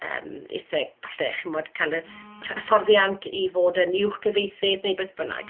yym isie falle chimod cael y r- hyfforddiant i fod yn uwchgyfieithydd neu beth bynnag?